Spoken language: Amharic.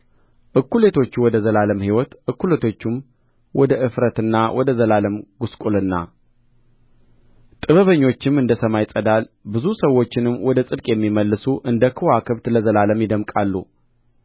እኵሌቶቹ ወደ ዘላለም ሕይወት እኵሌቶቹም ወደ እፍረትና ወደ ዘላለም ጕስቍልና ጥበበኞቹም እንደ ሰማይ ፀዳል ብዙ ሰዎችንም ወደ ጽድቅ የሚመልሱ እንደ ከዋክብት ለዘላለም ይደምቃሉ